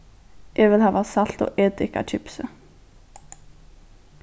eg vil hava salt og edik á kipsið